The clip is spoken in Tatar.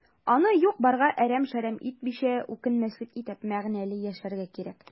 Аны юк-барга әрәм-шәрәм итмичә, үкенмәслек итеп, мәгънәле яшәргә кирәк.